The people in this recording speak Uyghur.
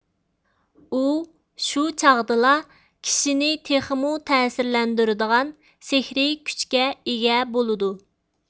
ئۇ شۇ چاغدىلا كىشىنى تېخىمۇ تەسىرلەندۈرىدىغان سېھرىي كۈچكە ئىگە بولىدۇ